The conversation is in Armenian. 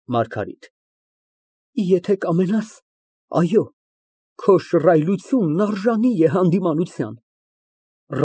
ՄԱՐԳԱՐԻՏ ֊ Եթե կամենաս ֊ այո, քո շռայլությունն արժանի է հանդիմանության։